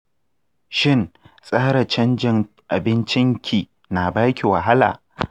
shin tsara canjin abincin ki na baki wahala?